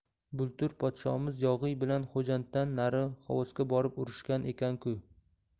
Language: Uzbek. bultur podshomiz yog'iy bilan xo'janddan nari xovosga borib urushgan ekan ku